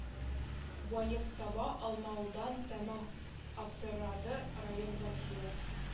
Гаеп таба алмаудан тәмам аптырады район вәкиле